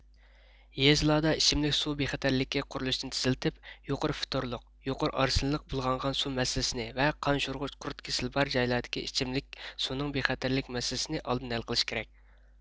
يېزىلاردا ئىچىملىك سۇ بىخەتەرلىكى قۇرۇلۇشىنى تېزلىتىپ يۇقىرى فتورلۇق يۇقىرى ئارسنلىق بۇلغانغان سۇ مەسىلىسىنى ۋە قان شورىغۇچ قۇرت كېسىلى بار جايلاردىكى ئىچىملىك سۇنىڭ بىخەتەرلىكى مەسىلىسىنى ئالدىن ھەل قىلىش كېرەك